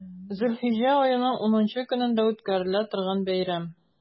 Зөлхиҗҗә аеның унынчы көнендә үткәрелә торган бәйрәм.